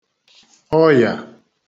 ọyà